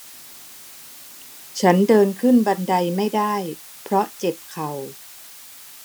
ฉันเดินขึ้นบันไดไม่ได้เพราะเจ็บเข่า